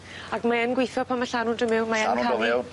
Ac mae yn gweitho pan ma' llanw'n do' mewn? Mae yn canu?